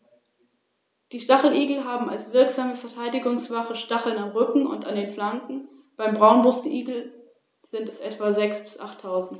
Der römische Feldherr Scipio setzte nach Afrika über und besiegte Hannibal bei Zama.